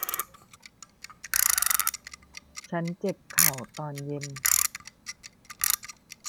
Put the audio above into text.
ฉันเจ็บเข่าตอนเย็น